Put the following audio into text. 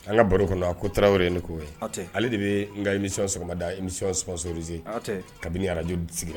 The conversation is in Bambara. An ka baro kɔnɔ ko tarawelew wɛrɛ ye de ko'o ye ale de bɛ n ka imi sɔgɔmada imissoze kabini araj sigira